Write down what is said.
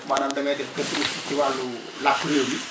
maanaam damay def des trucs ci wàllu làkku réew mi